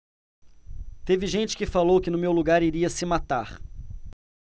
teve gente que falou que no meu lugar iria se matar